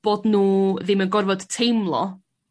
bod nw ddim yn gorfod teimlo